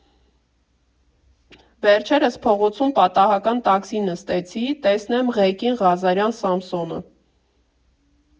Վերջերս փողոցում պատահական տաքսի նստեցի, տեսնեմ՝ ղեկին Ղազարյան Սամսոնը։